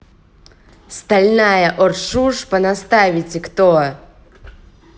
стальная оршуш понаставите кто